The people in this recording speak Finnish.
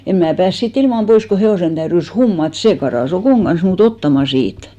en minä päässyt siitä ilman pois kun hevosen täytyi hummata se karkasi Okon kanssa minua ottamaan siitä